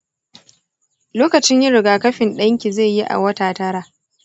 lokacin yin rigakafin ɗanki zai yi a wata tara.